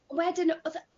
Wedyn o'dd yy